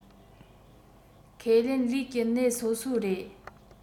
ཁས ལེན ལུས ཀྱི གནས སོ སོའི རེད